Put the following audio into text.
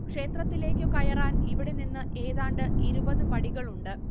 ക്ഷേത്രത്തിലേയ്ക്ക് കയറാൻ ഇവിടെ നിന്ന് ഏതാണ്ട് ഇരുപത് പടികളുണ്ട്